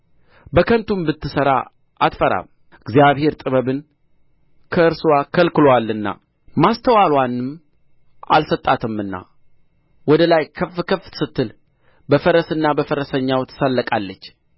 በከንቱም ብትሠራ አትፈራም እግዚአብሔር ጥበብን ከእርስዋ ከልክሎአልና ማስተዋልንም አልሰጣትምና ወደ ላይ ከፍ ከፍ ስትል በፈረስና በፈረሰኛው ትሳለቃለች